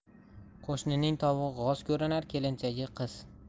qo'shnining tovug'i g'oz ko'rinar kelinchagi qiz